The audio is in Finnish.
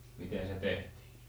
miten se tehtiin